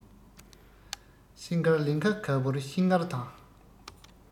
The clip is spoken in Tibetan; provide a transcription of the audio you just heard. སེང དཀར ལིངྒ ག བུར ཤིང མངར དང